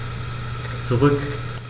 Zurück.